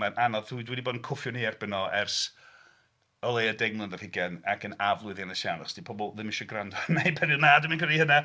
Mae'n anodd, dwi... dwi 'di bod yn cwffio yn ei erbyn o ers o leia' deg mlynedd ar hugain ac yn aflwyddiannus iawn achos dydi pobl ddim eisiau gwrando arna'i; "Na, dwi'm yn credu hynna".